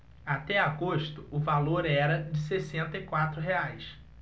até agosto o valor era de sessenta e quatro reais